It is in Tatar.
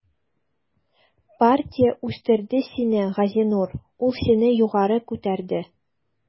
Партия үстерде сине, Газинур, ул сине югары күтәрде.